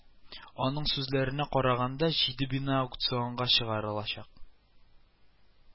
Аның сүзләренә караганда, җиде бина аукционга чыгарылачак